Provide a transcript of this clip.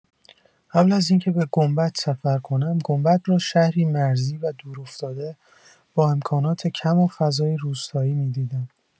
قبل از اینکه به گنبد سفر کنم، گنبد را شهری مرزی و دورافتاده، با امکانات کم و فضای روستایی می‌دیدم.